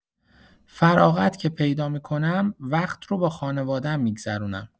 فراغت که پیدا می‌کنم، وقت رو با خانواده‌ام می‌گذرونم.